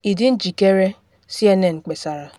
Ị dị njikere?” CNN kpesara.